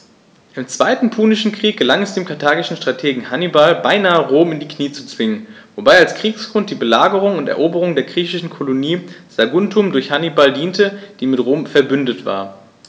Im Zweiten Punischen Krieg gelang es dem karthagischen Strategen Hannibal beinahe, Rom in die Knie zu zwingen, wobei als Kriegsgrund die Belagerung und Eroberung der griechischen Kolonie Saguntum durch Hannibal diente, die mit Rom „verbündet“ war.